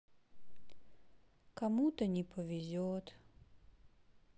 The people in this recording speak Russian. кому то не повезет